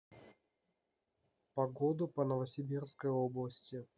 погоду по новосибирской области